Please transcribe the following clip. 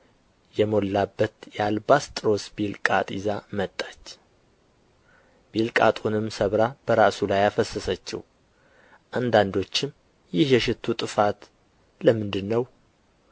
የመላበት የአልባስጥሮስ ቢልቃጥ ይዛ መጣች ቢልቃጡንም ሰብራ በራሱ ላይ አፈሰሰችው አንዳንዶችም ይህ የሽቱ ጥፋት ለምንድር ነው